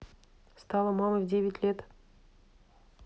стала мамой в девять лет